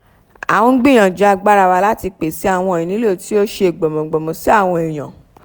À ń gbìyànjú agbára wa láti pèsè àwọn ìnílò tí ó ṣe gbọmọgbọmọ sí àwọn èèyàn.